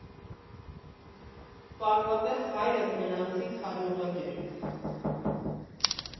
Պարզապես հայրս նրանցից հաջողակ էր»։